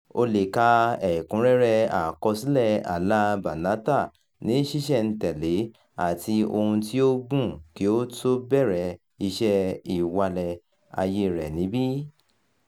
O lè ka ẹ̀kúnrẹ́rẹ́ àkọsílẹ̀ àláa Banatah ní ṣísẹ̀-n-tẹ̀lé àti ohun tí ó gùn ún kí ó tó bẹ̀rẹ̀ iṣẹ́ ìwalẹ̀ ayée rẹ̀ níbí: